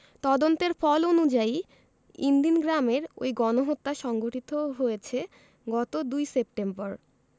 তদন্তের ফল অনুযায়ী ইনদিন গ্রামের ওই গণহত্যা সংঘটিত হয়েছে গত ২ সেপ্টেম্বর